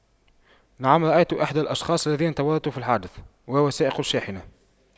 نعم رأيت أحد الأشخاص الذين تورطوا في الحادث وهو سائق الشاحنة